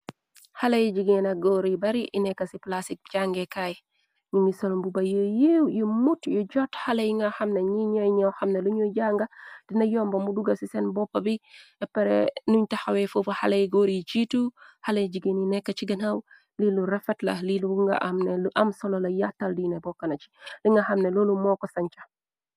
Xaleyi jigeena góor yi bari inekka ci plastiq jàngekaay ñu ngi solom bu ba yéew yu mut yu jot xale yi nga xamna ñi ñeyñeew xamna luñuy jànga dina yomba mu duga ci seen bopp bi pre nuñ taxawee foofu xaley góor yi jiitu xaley jigeen yi nekk ci gënaaw li lu refet la li lu nga amne lu am solo la yàttal diina bokkana ci li nga xamne lolu moo ko sancha.